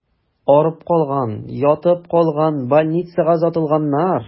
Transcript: Арып калган, ятып калган, больницага озатылганнар.